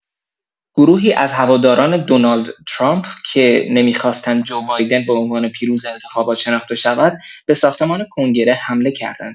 گروهی از هواداران دونالد ترامپ که نمی‌خواستند جو بایدن به عنوان پیروز انتخابات شناخته شود، به ساختمان کنگره حمله کردند.